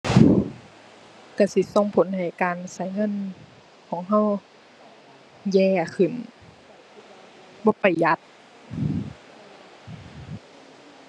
ก็สิส่งผลให้การก็เงิน ของก็แย่ขึ้น บ่ประหยัด